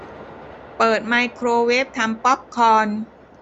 เปิดไมโครเวฟทำป๊อปคอร์น